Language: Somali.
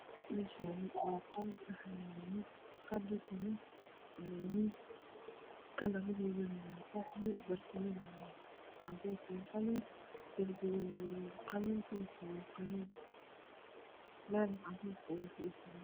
Meeshaani waa qol waxaa yaalo fadhi miis kalaradoda waa qaxwi barkimaha waa cadays darbiga waa qalin dhulka waa qalin